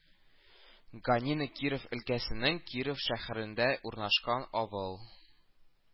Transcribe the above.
Ганино Киров өлкәсенең Киров шәһәрендә урнашкан авыл